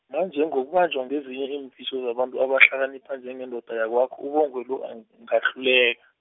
manje ngokubanjwa ngezinye iimfiso zabantu abahlakanipha njengendoda yakwakho uBongwe lo ang- ngahluleka.